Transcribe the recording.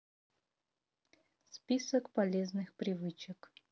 список полезных привычек